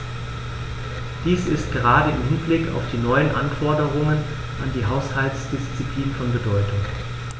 Dies ist gerade im Hinblick auf die neuen Anforderungen an die Haushaltsdisziplin von Bedeutung.